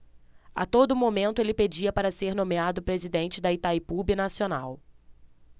a todo momento ele pedia para ser nomeado presidente de itaipu binacional